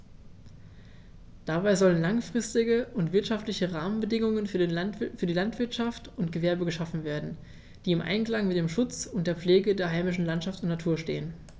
Dabei sollen langfristige und wirtschaftliche Rahmenbedingungen für Landwirtschaft und Gewerbe geschaffen werden, die im Einklang mit dem Schutz und der Pflege der heimischen Landschaft und Natur stehen.